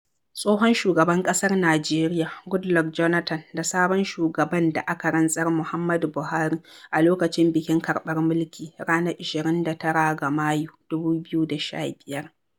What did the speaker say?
Tsohon shugaban ƙasar Najeriya, Goodluck Jonathan da sabon shugaban da aka rantsar Muhammadu Buhari a lokacin bikin karɓar mulki ranar 29 ga Mayu, 2015.